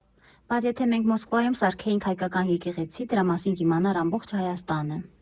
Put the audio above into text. Բայց եթե մենք Մոսկվայում սարքեինք հայկական եկեղեցի, դրա մասին կիմանար ամբողջ Հայաստանը։